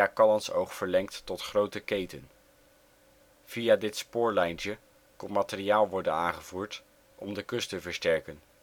Callantsoog verlengd tot Groote Keeten. Via dit spoorlijntje kon materiaal worden aangevoerd om de kust te versterken. In de periode